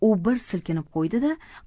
u bir silkinib qo'ydi da